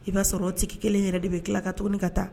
I b'a sɔrɔ tɛ tigi kelen yɛrɛ de bɛ tila ka tuguni ka taa